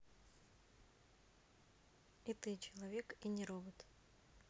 и ты человек и не робот